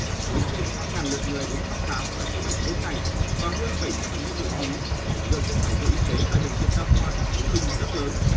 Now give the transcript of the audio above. với trên hai ngàn lượt người đến thăm khám và chữa bệnh mỗi ngày và hơn bảy trăm bệnh nhân nội trú lượng chất thải nhựa y tế tại bệnh viện đa khoa thành phố vinh rất lớn